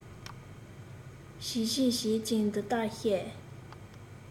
བྱིལ བྱིལ བྱེད ཀྱིན འདི ལྟར བཤད